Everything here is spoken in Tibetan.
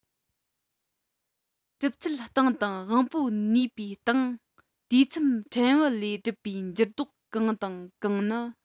གྲུབ ཚུལ སྟེང དང དབང པོའི ནུས པའི སྟེང དུས མཚམས ཕྲན བུ ལས འགྲུབ པའི འགྱུར ལྡོག གང དང གང ནི